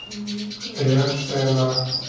реакция на